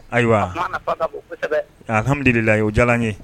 Ayiwa' hamidula ye o diyara ye